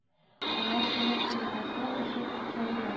Алар төрек хәлифәсе өчен акча җыялар